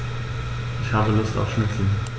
Ich habe Lust auf Schnitzel.